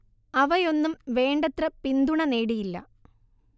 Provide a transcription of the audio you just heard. അവയൊന്നും വേണ്ടത്ര പിന്തുണ നേടിയില്ല